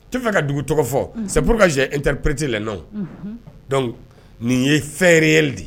' fɛ ka dugu tɔgɔ fɔ sepuru ka z ntprete la nin ye fɛeree de ye